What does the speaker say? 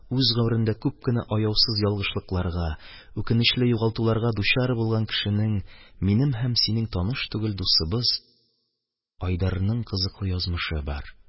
Үз гомерендә күп кенә аяусыз ялгышлыкларга, үкенечле югалтуларга дучар булган кешенең, минем һәм синең таныш түгел дусыбыз айдарның кызыклы язмышы бар.